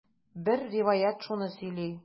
Бер риваять шуны сөйли.